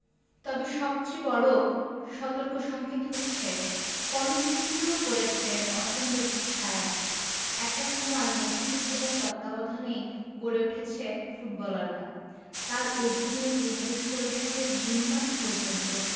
তবে সবচেয়ে বড় সতর্কসংকেত হচ্ছে কলসিন্দুরেও পড়েছে অসুন্দরের ছায়া একটা সময় মফিজ উদ্দিনের তত্ত্বাবধানেই গড়ে উঠেছে ফুটবলাররা তাঁর অধীনে ২০১৬ সালের জুন মাস পর্যন্ত